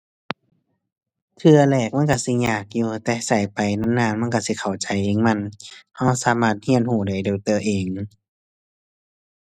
เทื่อแรกมันก็สิยากอยู่ แต่ก็ไปนานนานมันก็สิเข้าใจเอง มัน ก็สามารถก็ก็ได้ด้วยก็เอง